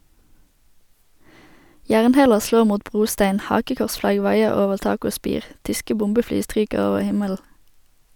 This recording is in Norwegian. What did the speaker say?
Jernhæler slår mot brostein, hakekorsflagg vaier over tak og spir, tyske bombefly stryker over himmelen.